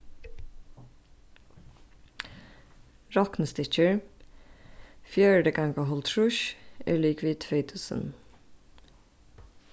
roknistykkir fjøruti ganga hálvtrýss er ligvið tvey túsund